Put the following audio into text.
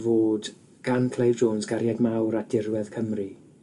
fod gan Clive Jones gariad mawr at dirwedd Cymru.